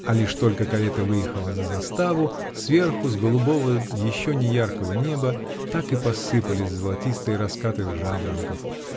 а лишь только карета выехала за заставу -- сверху, с голубого, еще не яркого неба, так и посыпались голосистые раскаты жаворонков.